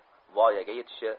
voyaga yetishi